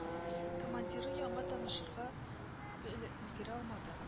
Командиры яңа танышырга өлә өлгерә алмады